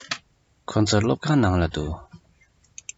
ཁོ ཚོ སློབ ཁང ནང ལ འདུག